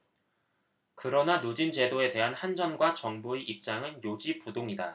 그러나 누진제도에 대한 한전과 정부의 입장은 요지부동이다